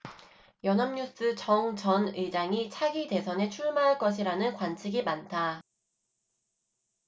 연합뉴스 정 전 의장이 차기 대선에 출마할 것이라는 관측이 많다